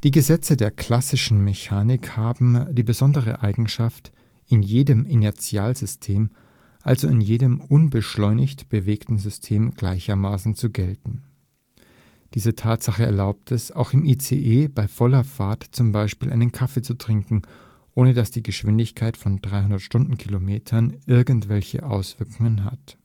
Gesetze der klassischen Mechanik haben die besondere Eigenschaft, in jedem Inertialsystem, also in jedem unbeschleunigt bewegten System, gleichermaßen zu gelten (Relativitätsprinzip). Diese Tatsache erlaubt es, auch im ICE bei voller Fahrt z. B. einen Kaffee zu trinken, ohne dass die Geschwindigkeit von 300 km/h irgendwelche Auswirkungen hat